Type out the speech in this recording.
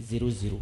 Zero, zero